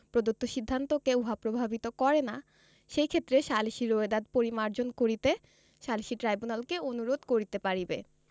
প্রদত্ত সিদ্ধান্তকে উহা প্রভাবিত করে না সেইক্ষেত্রে সালিসী রোয়েদাদ পরিমার্জন করিতে সালিসী ট্রাইব্যুনালকে অনুরোধ করিতে পারিবে